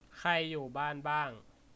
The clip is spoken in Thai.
ใครอยู่บ้านบ้าง